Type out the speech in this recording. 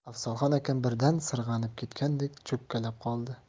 afzalxon akam birdan sirg'anib ketgandek cho'kkalab qoldi